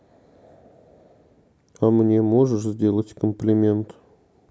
а мне можешь сделать комплимент